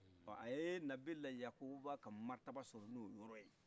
ɔ aye nabila yacuba ka martaba sɔrɔ n'o yɔrɔye